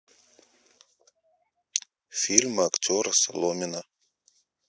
фильмы актера соломина